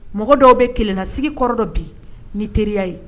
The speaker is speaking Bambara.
Mɔgɔ dɔw bɛ kelen na sigi kɔrɔ dɔ bi ni teriya ye